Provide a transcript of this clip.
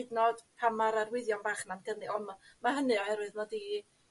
Hyd yn o'd pan ma'r arwyddion bach 'na'n gyn ni on' ma' ma' hynny oherwydd mod i